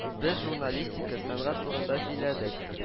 Без журналистика, сәнгать турында сөйләдек